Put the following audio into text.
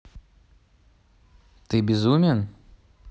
ты безумен